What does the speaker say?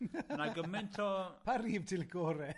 Ma' gymaint o... Pa rif ti licio ore?